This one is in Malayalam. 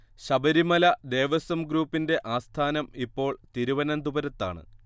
ശബരിമല ദേവസ്വം ഗ്രൂപ്പിന്റെ ആസ്ഥാനം ഇപ്പോൾ തിരുവനന്തപുരത്താണ്